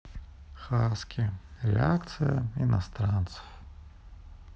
хаски реакция иностранцев